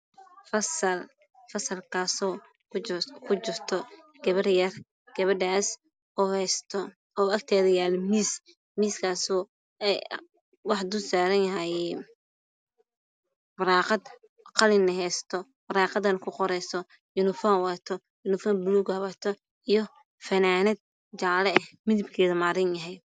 Fasal fasalkaasoo ay kujirto gabar yar gabartaasoo attendance yaalo miis miiskaasoo waxa dulsaaran waraaqad qalin na heysato waraaqadana ku qoreyso unifom wadato unifom buluug wadato fanaanad jaale eh midabkeedana maariin yahay